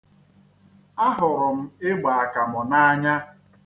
Ahụrụ m igbe akamụ n'anya.